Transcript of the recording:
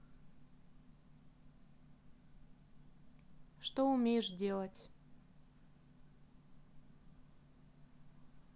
что умеешь делать